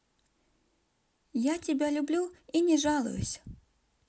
я тебя люблю и не жалуюсь